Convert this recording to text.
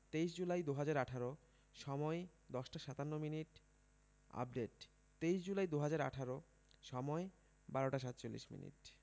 ২৩ July ২০১৮ সময়ঃ ১০টা ৫৭ minute update ২৩ July ২০১৮ সময় ১২টা ৪৭ মিনিট